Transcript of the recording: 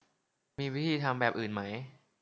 มีวิธีทำแบบอื่นไหม